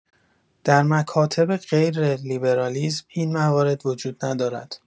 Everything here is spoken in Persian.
در مکاتب غیر لیبرالیسم این موارد وجود ندارد.